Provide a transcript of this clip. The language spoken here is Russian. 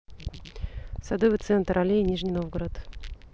садовый центр аллея нижний новгород